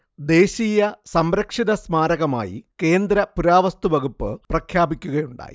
ദേശീയ സംരക്ഷിതസ്മാരകമായി കേന്ദ്ര പുരാവസ്തുവകുപ്പ് പ്രഖ്യാപിക്കുകയുണ്ടായി